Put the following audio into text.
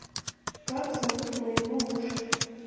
как зовут моего мужа